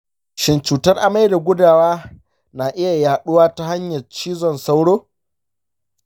shin cutar amai da gudawa na iya yaɗuwa ta hanyar cizon sauro?